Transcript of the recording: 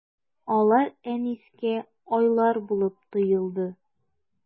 Алар Әнискә айлар булып тоелды.